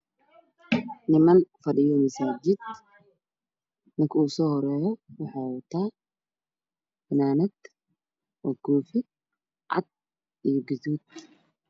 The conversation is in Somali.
Qolka waxaa dhax jiifo hooyo iyo labadeeda cunug ilmaha waxey wataan dhar madow